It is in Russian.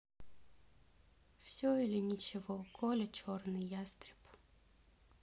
все или ничего коля черный ястреб